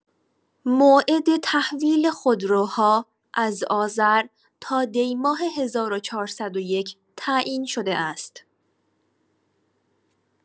موعد تحویل خودروها از آذر تا دی‌ماه ۱۴۰۱ تعیین شده است.